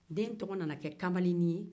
den tɔgɔ nana kɛ kamalennin ye